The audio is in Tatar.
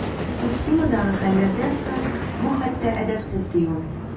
Фукусимадагы хәлләрдән соң бу хәтта әдәпсез, ди ул.